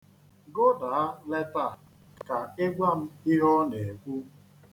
Gụdaa leta a ka ị gwa m ihe ọ na-ekwu.